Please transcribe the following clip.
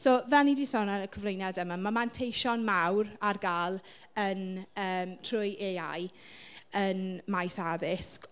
So fel ni 'di sôn am yn y cyflwyniad yma ma' manteision mawr ar gael yn yym... Trwy AI yn maes addysg.